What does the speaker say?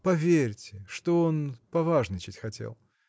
Поверьте, что он поважничать хотел.